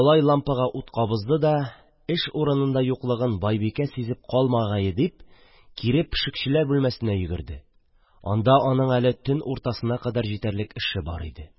Калай лампага ут кабызды да, эш урынында юклыгын байбикә сизеп калмагае дип, кире пешекчеләр бүлмәсенә йөгерде; анда аның әле төн уртасына кадәр җитәрлек эше бар иде.